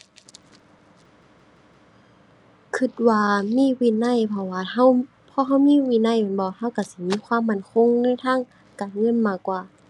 คิดว่ามีวินัย เพราะว่าคิด พอคิดมีวินัยแม่นบ่ คิดคิดสิมีความมั่นคงในทางการเงินมากกว่า